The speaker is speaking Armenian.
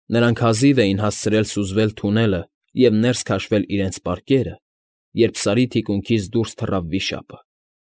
Նրանք հազիվ էին հասցրել սուզվել թունելը և ներս քաշել իրենց պարկերը, երբ Սարի թիկունքից դուրս թռավ վիշապը։